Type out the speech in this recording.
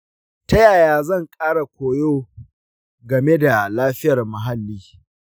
ta yaya zan ƙara koyo game da lafiyar muhalli?